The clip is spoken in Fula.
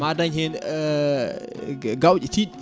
ma dañ hen gaƴƴe tidde